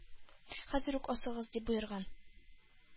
— хәзер үк асыгыз! — дип боерган.